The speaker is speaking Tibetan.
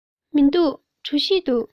མི འདུག གྲོ ཞིབ འདུག